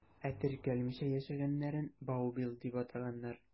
Ә теркәлмичә яшәгәннәрен «баубил» дип атаганнар.